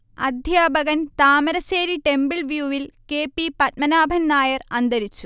അധ്യാപകൻ താമരശ്ശേരി ടെമ്പിൾവ്യൂവിൽ K. P. Padmanabhan Nair അന്തരിച്ചു